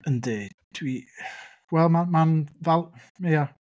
Yndi dwi ... Wel ma' ma'n fal-... ia.